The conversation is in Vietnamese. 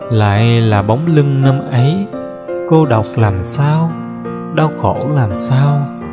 lại là bóng lưng năm ấy cô độc làm sao đau khổ làm sao